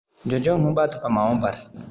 འབྱུང འགྱུར སྔོན དཔག ཐུབ པའི མ འོངས པར